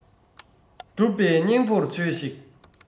སྒྲུབ པའི སྙིང བོར བྱོས ཤིག